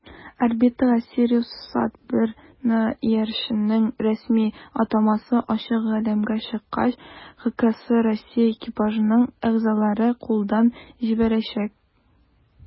Орбитага "СириусСат-1"ны (иярченнең рәсми атамасы) ачык галәмгә чыккач ХКС Россия экипажының әгъзалары кулдан җибәрәчәк.